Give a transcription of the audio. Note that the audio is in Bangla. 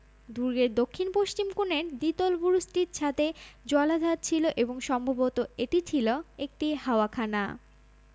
দুর্গের দক্ষিণপশ্চিম কোণের দ্বিতল বুরুজটির ছাদে জলাধার ছিল এবং সম্ভবত এটি ছিল একটি হাওয়াখানা